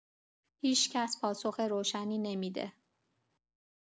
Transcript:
هیچ‌کس پاسخ روشنی نمی‌ده.